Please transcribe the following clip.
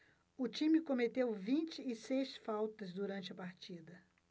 o time cometeu vinte e seis faltas durante a partida